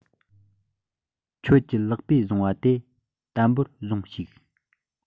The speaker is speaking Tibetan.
ཁྱོད ཀྱི ལག པས བཟུང བ དེ དམ པོར ཟུང ཞིག